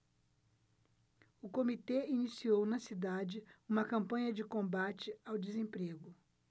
o comitê iniciou na cidade uma campanha de combate ao desemprego